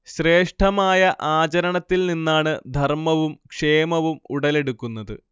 ശ്രേഷ്ഠമായ ആചരണത്തിൽ നിന്നാണ് ധർമ്മവും ക്ഷേമവും ഉടലെടുക്കുന്നത്